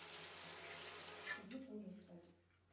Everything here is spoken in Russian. иди тоже спать